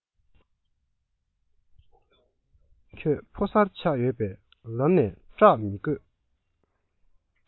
ཁྱོད ཕོ གསར ཆགས ཡོད པས ལམ ནས སྐྲག མི དགོས